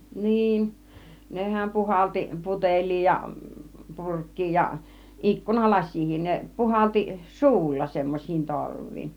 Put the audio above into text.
niin nehän puhalsi putelia ja purkkia ja - ikkunalasiakin ne puhalsi suulla semmoisiin torviin